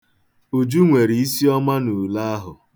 Uju nwere isiọma n'ule ahụ.